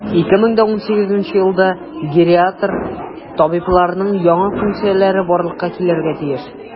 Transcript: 2018 елда гериатр табибларның яңа функцияләре барлыкка килергә тиеш.